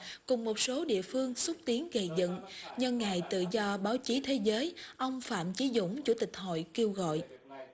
cùng một số địa phương xúc tiến xây dựng nhân ngày tự do báo chí thế giới ông phạm chí dũng chủ tịch hội kêu gọi